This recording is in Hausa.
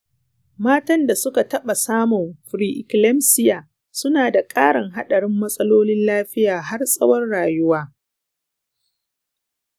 matan da suka taɓa samun pre-eclampsia suna da ƙarin haɗarin matsalolin lafiya har tsawon rayuwa.